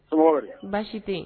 Somɔgɔw bɛ di? baasi te yen.